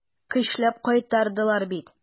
Көчләп кайтардылар бит.